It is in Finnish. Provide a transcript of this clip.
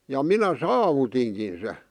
ja minä saavutinkin sen